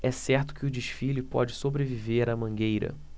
é certo que o desfile pode sobreviver à mangueira